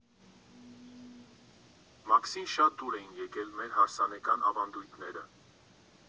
Մաքսին շատ դուր էին եկել մեր հարսանեկան ավանդույթները։